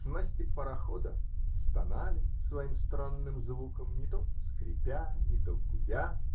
Снасти парохода стонали своим странным звуком, не то скрипя, не то гудя